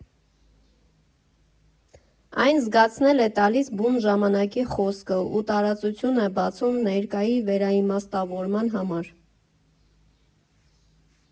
Այն զգացնել է տալիս բուն ժամանակի հոսքը ու տարածություն է բացում ներկայի վերաիմաստավորման համար։